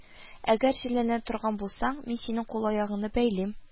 Әгәр җенләнә торган булсаң, мин синең кул-аягыңны бәйлим